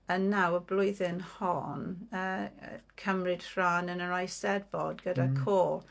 Ond nawr, y blwyddyn hon yy cymryd rhan yn yr Eisteddfod gyda côr.